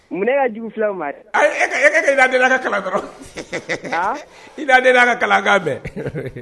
Munna y' jugu fila ma yekɛ dala ka kalakɔrɔ i dadenya' a ka kalakan bɛn